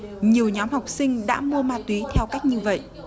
nhiều nhóm học sinh đã mua ma túy theo cách như vậy